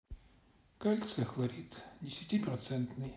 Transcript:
кальция хлорид десятипроцентный